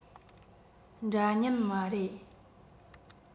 འདྲ མཉམ མ རེད